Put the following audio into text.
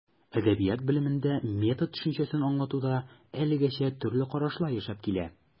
Әдәбият белемендә метод төшенчәсен аңлатуда әлегәчә төрле карашлар яшәп килә.